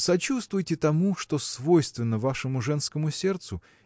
сочувствуйте тому, что свойственно вашему женскому сердцу